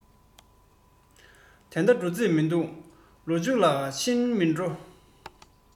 ད ལྟ འགྲོ རྩིས མི འདུག ལོ མཇུག ལ ཕྱིན མིན འགྲོ